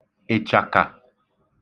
ị̀chàkà